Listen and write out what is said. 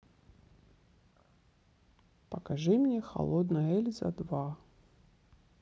покажи мне холодная эльза два